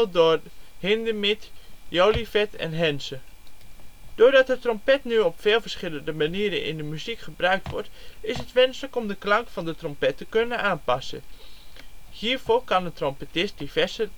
door Hindemith, Jolivet en Henze. Doordat de trompet nu op veel verschillende manieren in de muziek gebruikt wordt, is het wenselijk om te klank van de trompet te kunnen aanpassen. Hiervoor kan een trompettist diverse